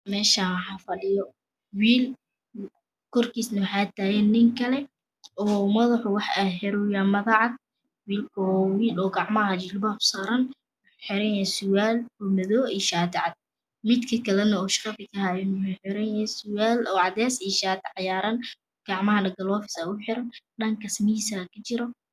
Meeshaan waxaa fadhiya wiil korsiisane waxaa taagan nin kale oo madaxa wuxuu aga xirooyaa maro cad wiil oo gacmaha jilbaha u saaran wuxuu xiranyahay surwaal madow iyo shaati cadaan. mid kale oo shaqata ka haayane wuxuu xiran yahay surwaal cadays iyo shaati cagaaran. gacmahane golofis ugu xiran dhankaas miis saa jiro.